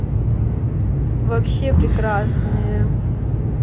вообще прекрасные